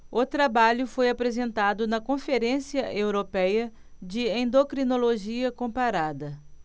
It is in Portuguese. o trabalho foi apresentado na conferência européia de endocrinologia comparada